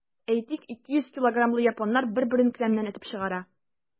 Әйтик, 200 килограммлы японнар бер-берен келәмнән этеп чыгара.